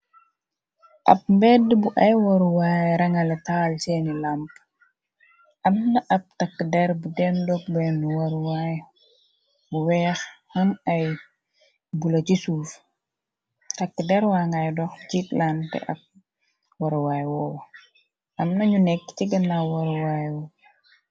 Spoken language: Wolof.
ab mbedd bu ay waruwaay rangale taal seeni lamp amna ab takk der bu den dobbeenu waruwaay bu weex xam ay bula ci suuf takk derwaa ngaay dox jiitlànd te ab waruwaay woowa amnañu nekk ci ganna waruwaay u